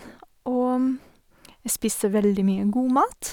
Og jeg spiste veldig mye god mat.